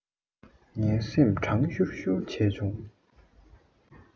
ངའི སེམས གྲང ཤུར ཤུར བྱས བྱུང